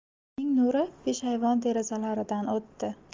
uning nuri peshayvon derazalaridan o'tdi